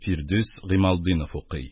Фирдүс Гыймалтдинов укый